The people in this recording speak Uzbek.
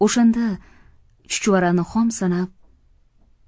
o'shanda chuchvarani xom sanab